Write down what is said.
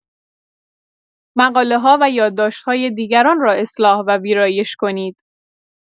مقاله‌ها و یادداشت‌های دیگران را اصلاح و ویرایش کنید.